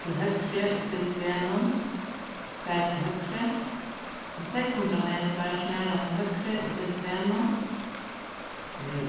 til høgru og fylg vegnum far til høgru um seks hundrað metrar snara til høgru og fylg vegnum